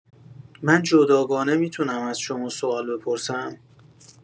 من جداگانه می‌تونم از شما سوال بپرسم؟